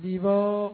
I